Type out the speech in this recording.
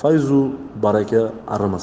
fayzu baraka arimasin